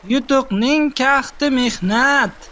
yutuqning kahti mehnat